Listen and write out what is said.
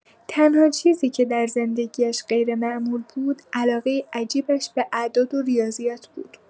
تنها چیزی که در زندگی‌اش غیرمعمول بود، علاقه عجیبش به اعداد و ریاضیات بود.